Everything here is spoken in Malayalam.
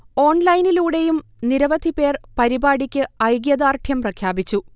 ഓൺലൈനിലൂടെയും നിരവധി പേർ പരിപാടിക്ക് ഐക്യദാർഢ്യം പ്രഖ്യാപിച്ചു